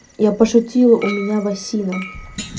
я пошутила у меня васина